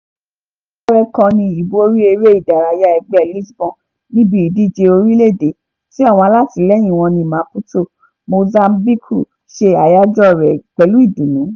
Àpẹẹrẹ kan ni ìborí Eré ìdárayá ẹgbẹ́ Lisbon níbi ìdíje orílẹ̀-èdè, tí àwọn alátìlẹyìn ní Maputo (Mozambique) ṣe àjọyọ̀ rẹ̀ pẹ̀lú ìdùnnú.